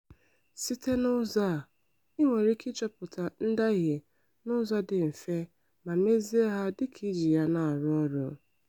Site n'ụzọ a, ị nwere ịke ịchọpụta ndahie n'ụzọ dị mfe ma mezie ha dịka ị ji ya na-arụ ọrụ.